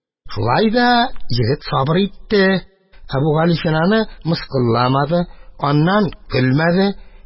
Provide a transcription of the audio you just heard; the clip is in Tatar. Шулай да егет сабыр итте, Әбүгалисинаны мыскылламады, аннан көлмәде.